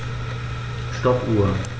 Stoppuhr.